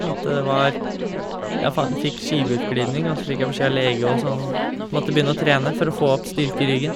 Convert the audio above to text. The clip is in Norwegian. At det var jeg fan fikk skiveutglidning og så fikk jeg beskjed av lege og sånn om å måtte begynne å trene for å få opp styrke i ryggen.